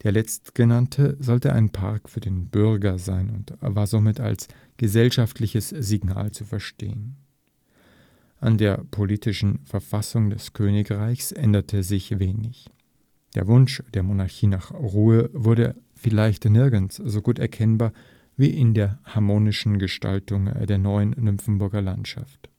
letztgenannte sollte ein Park für den Bürger sein und war somit als gesellschaftliches Signal zu verstehen. An der politischen Verfassung des Königreichs änderte sich wenig. Der Wunsch der Monarchie nach Ruhe wurde vielleicht nirgends so gut erkennbar wie in der harmonischen Gestaltung der neuen Nymphenburger Landschaft